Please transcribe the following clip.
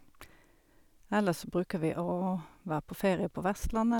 Ellers så bruker vi å være på ferie på Vestlandet.